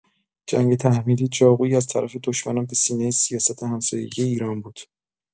جنگ تحمیلی چاقویی از طرف دشمنان به سینه سیاست همسایگی ایران بود.